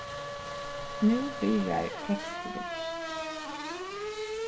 nú byrjar teksturin